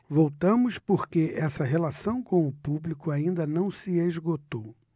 voltamos porque essa relação com o público ainda não se esgotou